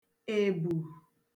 èbù